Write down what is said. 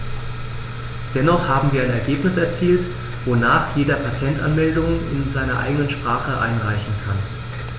Dennoch haben wir ein Ergebnis erzielt, wonach jeder Patentanmeldungen in seiner eigenen Sprache einreichen kann.